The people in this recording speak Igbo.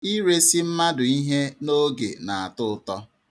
Iresi mmadụ ihe n'oge na-atọ ụtọ.